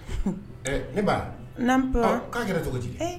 Ne ba n nap k'a kɛra cogo di